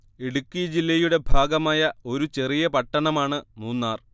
ഇടുക്കി ജില്ലയുടെ ഭാഗമായ ഒരു ചെറിയ പട്ടണമാണ് മൂന്നാർ